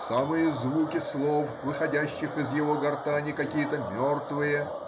самые звуки слов, выходящих из его гортани, какие-то мертвые